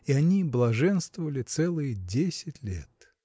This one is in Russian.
и они блаженствовали целые десять лет.